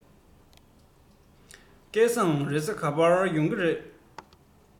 སྐལ བཟང རེས གཟའ ག པར ཡོང གི རེད